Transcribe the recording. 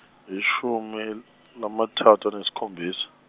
yishumil namathu anesikhombisa.